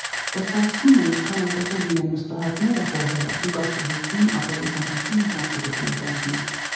Վստահեցնում եմ, ինչքան էլ տխուր լինեն մըսլըհաթները (խոհերը), դուք աշխուժություն, ապրելու ցանկություն ու կյանք կգտնեք դրանց մեջ։